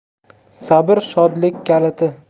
sabr shodlik kaliti